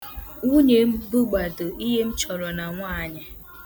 Nwunye m bụgbado ihe chọrọ na nwaanyị.